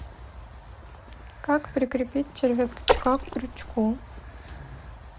как прикрепить червяка к крючку